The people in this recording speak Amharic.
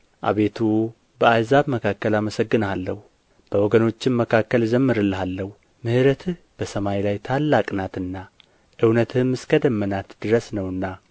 አቤቱ በአሕዛብ መካከል አመሰግንሃለሁ በወገኖችም መካከል እዘምርልሃለሁ ምሕረትህ በሰማይ ላይ ታላቅ ናትና እውነትህም እስከ ደመናት ድረስ ነውና